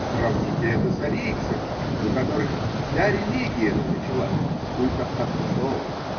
Сравните это с арийцами, у которых вся религия-то началась с культа отцов!